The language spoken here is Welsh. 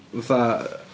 Fatha...